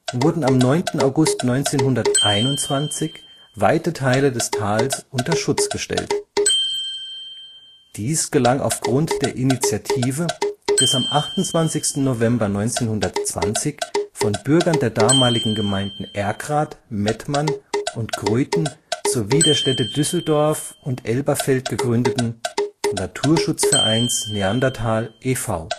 wurden am 9. August 1921 weite Teile des Tales unter Schutz gestellt. Dies gelang aufgrund der Initiative des am 28. November 1920 von Bürgern der damaligen Gemeinden Erkrath, Mettmann und Gruiten sowie der Städte Düsseldorf und Elberfeld gegründeten Naturschutzvereins Neandertal e. V.